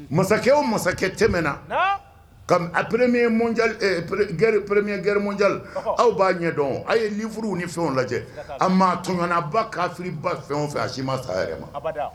Masakɛ o masakɛ cɛ na a pɛremi g-pɛ-miyan gɛrɛ ja aw b'a ɲɛdɔn aw ye ninf furuw ni fɛn lajɛ a ma toɔnna ba kafi ba fɛn o fɛ a si ma saya ma